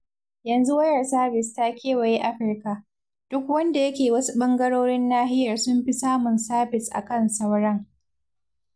Yanzu wayar sabis ta kewaye Afirka, duk da yake wasu ɓangarorin nahiyar sun fi samun sabis a kan sauran.